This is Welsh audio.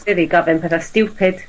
...Siri gofyn petha stupid.